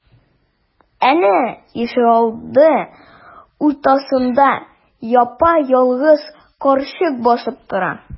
Әнә, ишегалды уртасында япа-ялгыз карчык басып тора.